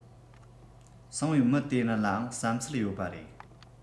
སངས བའི མི དེ ནི ལའང བསམ ཚུལ ཡོད པ རེད